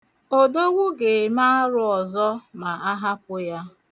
Odogwu ga-eme arụ ọzọ ma ahapụ ya.